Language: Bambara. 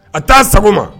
A t'a sago ma